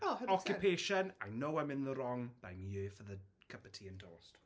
Oh, 100 percent... Occupation - I know I'm in the wrong, but I'm here for the cup of tea and toast.